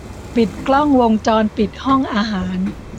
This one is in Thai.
ปิดกล้องวงจรปิดห้องอาหาร